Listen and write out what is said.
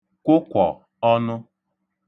kwụkwọ̀ ọnụ